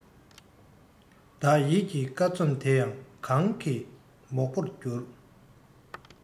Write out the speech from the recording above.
བདག ཡིད ཀྱི སྐར ཚོམ དེ ཡང ངང གིས མོག པོར གྱུར